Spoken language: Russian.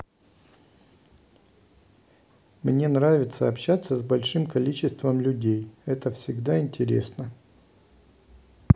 мне нравится общаться с большим количеством людей это всегда интересно